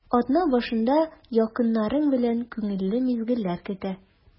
Атна башында якыннарың белән күңелле мизгелләр көтә.